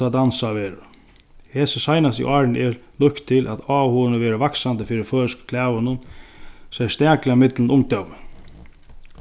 tá dansað verða hesi seinastu árini er líkt til at áhugin hevur verið vaksandi fyri føroysku klæðunum serstakliga millum ungdómin